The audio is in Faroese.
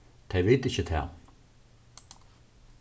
tey vita ikki tað